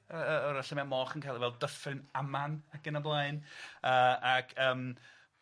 Yy yy 'w'rach lle mae moch yn ca'l ei fel Dyffryn Aman ac yn y blaen yy ac yym